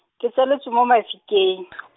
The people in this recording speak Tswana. ke tsaletswe mo Mafikeng .